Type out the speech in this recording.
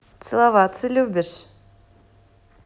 целоваться любишь